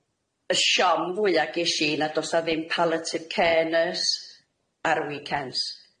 Y siom fwya gesh i nad o's 'a ddim palliative care nurse ar weekends.